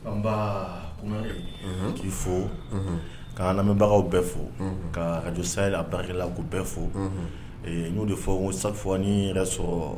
Nba Kunare, Unhun, k'i fo, Unhun, k'an lamɛnbagaw bɛɛ fo, Unhun, ka radio sahel a baarakɛla ko bɛɛ fo, Unhun, ee n y'o de fɔ chaque fois ni n ye yɛrɛ sɔrɔ